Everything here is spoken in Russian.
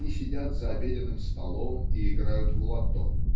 они сидят за обеденным столом и играют в лото